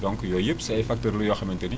donc yooyu yëpp si ay facteurs la yoo xamante ni